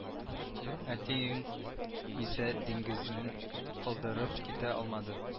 Әтиең исә диңгезне калдырып китә алмады